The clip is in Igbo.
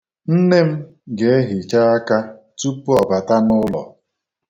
Nne m ga-ehicha aka tupu ọ bata n'ụlọ.